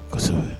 Ka siran a ɲɛn